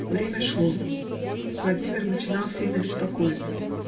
Время шло; Владимир начинал сильно беспокоиться.